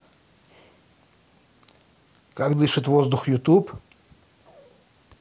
как дышит воздух ютуб